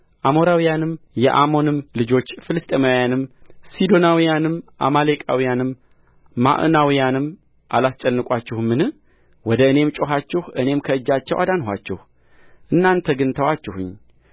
አሞራውያንም የአሞንም ልጆች ፍልስጥኤማውያንም ሲዶናውያንም አማሌቃውያንም ማዖናውያንም አላስጨነቋችሁምን ወደ እኔም ጮኻችሁ እኔም ከእጃቸው አዳንኋችሁ እናንተ ግን ተዋችሁኝ